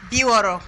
60